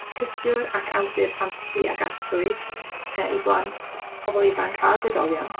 Sgriptiwr ac awdur ffantasi ac arswyd yy i blant, pobol ifanc ag oedolion.